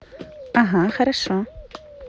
ага хорошо